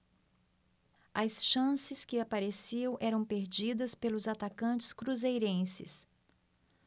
as chances que apareciam eram perdidas pelos atacantes cruzeirenses